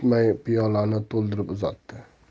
kutmay piyolani to'ldirib uzatdi